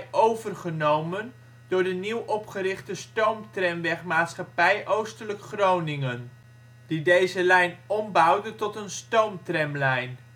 overgenomen door de nieuw opgerichte Stoomtramweg-Maatschappij Oostelijk Groningen, die deze lijn ombouwde tot een stoomtramlijn